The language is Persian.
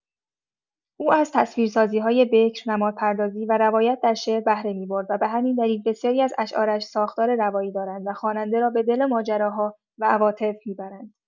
او از تصویرسازی‌های بکر، نمادپردازی و روایت در شعر بهره می‌برد و به همین دلیل بسیاری از اشعارش ساختار روایی دارند و خواننده را به دل ماجراها و عواطف می‌برند.